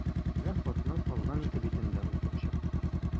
Ләлә хатның калган ике битен дә укып чыкты.